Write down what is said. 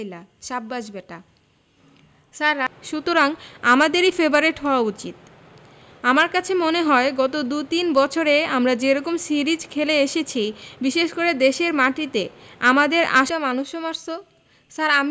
বাংলাদেশে খেলা আমাদের নিজেদের মাঠ সুতরাং আমাদেরই ফেবারিট হওয়া উচিত আমার কাছে মনে হয় গত দু তিন বছরে আমরা যে রকম সিরিজ খেলে এসেছি বিশেষ করে দেশের মাটিতে আমাদের আসলে ফেবারিট হওয়া উচিত